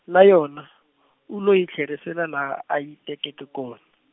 na yona, u lo yi tlherisela laha a yi tekeke kona.